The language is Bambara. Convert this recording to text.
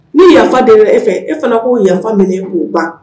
Ne yafa de e fɛ e fana k'u yafa minɛ k'u ban